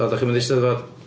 O, dach chi'n mynd i Steddfod?